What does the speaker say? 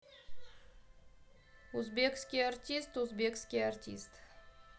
узбекский артист узбекский артист